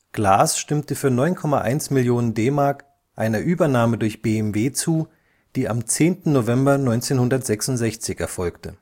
Glas stimmte für 9,1 Millionen DM einer Übernahme durch BMW zu, die am 10. November 1966 erfolgte